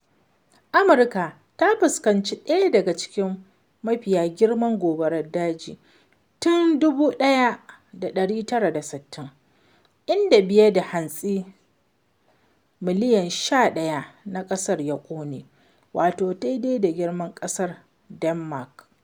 Amurka ta fuskanci ɗaya daga cikin mafiya girman gobarar daji tun 1960, inda fiye da hantsi miliyan 11 na ƙasa ya ƙone (wato daidai da girman ƙasar Denmark).